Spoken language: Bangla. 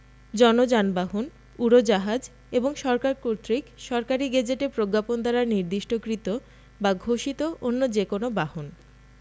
জন যানবাহন উড়োজাহাজ এবং সরকার কর্তৃক সরকারী গেজেটে প্রজ্ঞাপন দ্বারা নির্দিষ্টকৃত বা ঘোষিত অন্য যে কোন বাহন